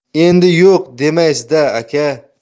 endi yo'q demaysiz da aka